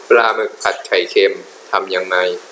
ปลาหมึกผัดไข่เค็มทำยังไง